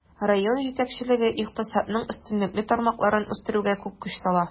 Район җитәкчелеге икътисадның өстенлекле тармакларын үстерүгә күп көч сала.